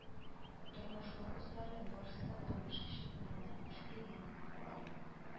Тормыш фокуслары барысы да тамашачы күңеленә хуш килгән